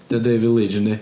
Ydi o'n deud village yndi?